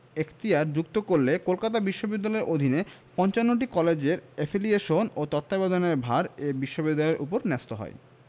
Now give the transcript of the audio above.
এখতিয়ার যুক্ত করলে কলকাতা বিশ্ববিদ্যালয়ের অধীন ৫৫টি কলেজের এফিলিয়েশন ও তত্ত্বাবধানের ভার এ বিশ্ববিদ্যালয়ের ওপর ন্যস্ত হয়